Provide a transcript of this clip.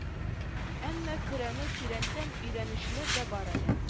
Әмма коръәнне тирәнтен өйрәнүчеләр дә бар әле